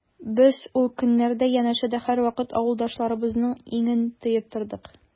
Без ул көннәрдә янәшәдә һәрвакыт авылдашларыбызның иңен тоеп тордык.